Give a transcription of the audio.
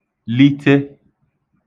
-lite